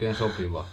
oikein sopivaa